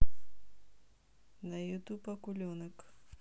на ютуб акуленок